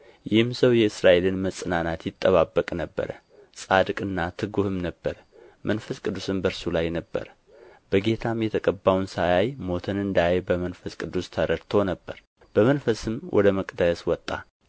ይህም ሰው የእስራኤልን መጽናናት ይጠባበቅ ነበር ጻድቅና ትጉህም ነበረ መንፈስ ቅዱስም በእርሱ ላይ ነበረ በጌታም የተቀባውን ሳያይ ሞትን እንዳያይ በመንፈስ ቅዱስ ተረድቶ ነበር በመንፈስም ወደ መቅደስ ወጣ